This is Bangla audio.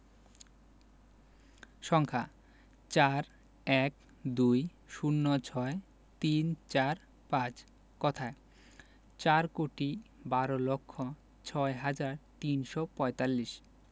সংখ্যাঃ ৪ ১২ ০৬ ৩৪৫ কথায়ঃ চার কোটি বার লক্ষ ছয় হাজার তিনশো পঁয়তাল্লিশ